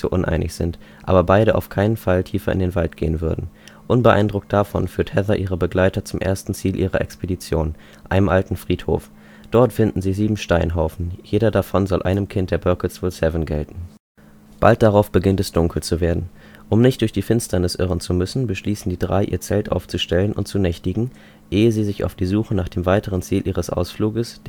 uneinig sind, aber beide auf keinen Fall tiefer in den Wald gehen würden. Unbeeindruckt davon führt Heather ihre Begleiter zum ersten Ziel ihrer Expedition: einem alten Friedhof. Dort finden sie sieben Steinhaufen; jeder davon soll einem Kind der Burkittsville 7 gelten. Bald darauf beginnt es, dunkel zu werden. Um nicht durch die Finsternis irren zu müssen, beschließen die drei, ihr Zelt aufzustellen und zu nächtigen, ehe sie sich auf die Suche nach dem weiteren Ziel ihres Ausfluges